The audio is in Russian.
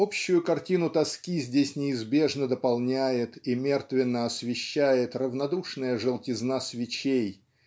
Общую картину тоски здесь неизбежно дополняет и мертвенно освещает равнодушная желтизна свечей